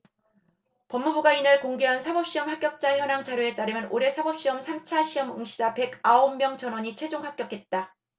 법무부가 이날 공개한 사법시험 합격자 현황 자료에 따르면 올해 사법시험 삼 차 시험 응시자 백 아홉 명 전원이 최종 합격했다